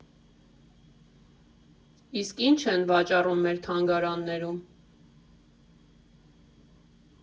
Իսկ ի՞նչ են վաճառում մեր թանգարաններում։